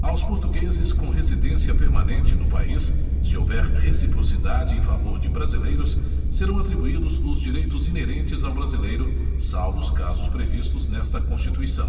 aos portugueses com residência permanente no país se houver reciprocidade em favor dos brasileiros serão atribuídos os direitos inerentes ao brasileiro salvo os casos previstos nesta constituição